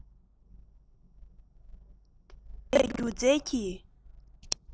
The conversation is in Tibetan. འབྲེལ བའི སྒྱུ རྩལ གྱི